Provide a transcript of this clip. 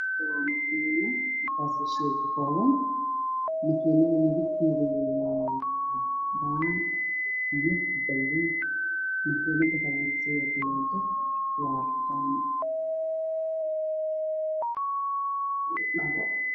Waxaa ii muuqda makiinad kalarkeedii yahay caddaan waxaa ag yaalla tarmous baraf ta waxay saaran yihiin miis